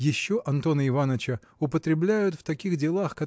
Еще Антона Иваныча употребляют в таких делах